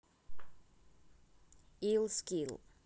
illskill